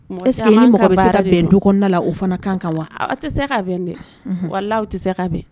Saba mɔgɔ se bɛnda la o fana kan kan wa tɛ se ka bɛn dɛ walaaw tɛ se ka bɛn